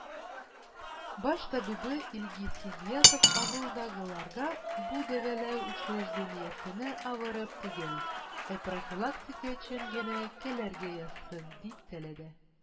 Баш табибы Илгиз Хидиятов авылдагыларга бу дәвалау учреждениесенә авырып түгел, ә профилактика өчен генә килергә язсын, дип теләде.